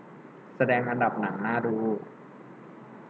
แสดงอันดับหนังน่าดู